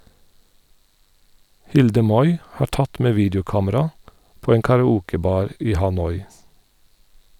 Hilde Moi har tatt med videokamera på en karaokebar i Hanoi.